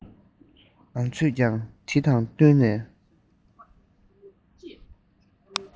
ང ཚོས ཀྱང དེ དང བསྟུན ནས